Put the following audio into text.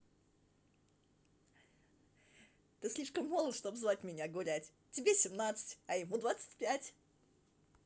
ты слишком молод чтобы звать меня гулять тебе семнадцать а ему двадцать пять